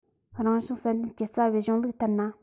རང བྱུང བསལ འདེམས ཀྱི རྩ བའི གཞུང ལུགས ལྟར ན